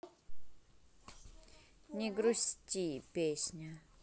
не грусти песня